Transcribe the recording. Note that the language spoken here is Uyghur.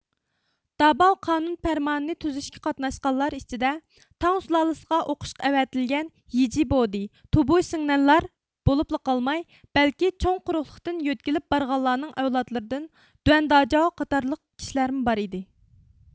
داباۋ قانۇن پەرمانى نى تۈزۈشكە قاتناشقانلار ئىچىدە تاڭ سۇلالىسىغا ئوقۇشقا ئەۋەتىلگەن يىجىبودى تۇبۇشىڭنەنلار بولۇپلا قالماي بەلكى چوڭ قۇرۇقلۇقتىن يۆتكىلىپ بارغانلارنىڭ ئەۋلادلىرىدىن دۇەن داجاۋ قاتارلىق كىشىلەرمۇ بار ئىدى